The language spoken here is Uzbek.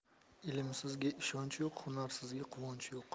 ilmsizga ishonch yo'q hunarsizga quvonch yo'q